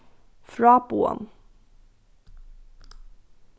fráboðan